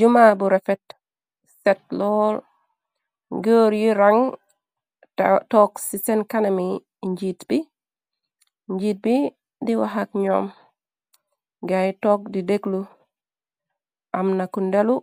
Jumaa bu refrt set lool gór yi rang tóóg ci sèèn kanami njit bi. Njit bi di wax ak ñom gayi tóóg di dèglu. Am na ku dellu